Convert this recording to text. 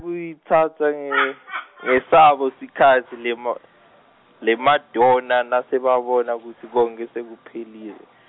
kuyitsatsa nge ngesabo sikhatsi lema- lemadonna nasebabona kutsi konkhe sekuphelile.